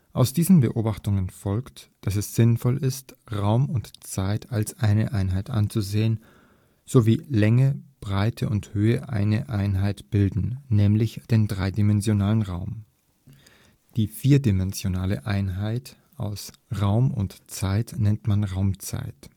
Aus diesen Betrachtungen folgt, dass es sinnvoll ist, Raum und Zeit als eine Einheit anzusehen, so wie Länge, Breite und Höhe eine Einheit bilden, nämlich den dreidimensionalen Raum. Die vierdimensionale Einheit aus Raum und Zeit nennt man Raumzeit